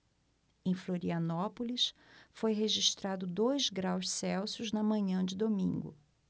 em florianópolis foi registrado dois graus celsius na manhã de domingo